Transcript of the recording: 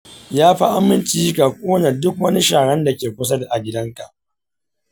yafi aminci ka kona duk wani sharan dake kusa da gidanka.